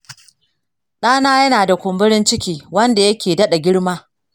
ɗana yana da kumburin ciki wanda yake daɗa girma.